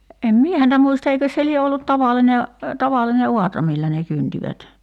en minä häntä muista eikös se lie ollut tavallinen tavallinen aura millä ne kyntivät